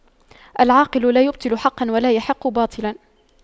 العاقل لا يبطل حقا ولا يحق باطلا